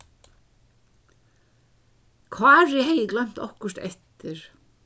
kári hevði gloymt okkurt eftir